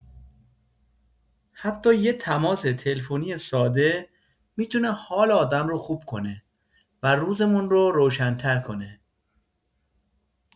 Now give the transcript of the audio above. حتی یه تماس تلفنی ساده می‌تونه حال آدم رو خوب کنه و روزمون رو روشن‌تر کنه.